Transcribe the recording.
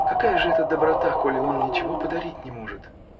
Какая же это доброта, коли он ничего подарить не может!